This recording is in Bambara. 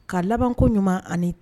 Ka labanko ɲuman ani